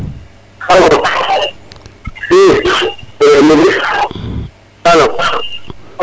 alo i alo